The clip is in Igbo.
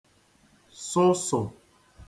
sụsụ̀